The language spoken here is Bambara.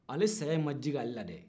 ale saya ma digi ale la dɛ